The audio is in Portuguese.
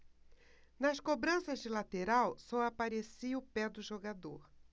nas cobranças de lateral só aparecia o pé do jogador